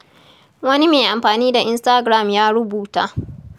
Wani mai amfani da instagram ya rubuta: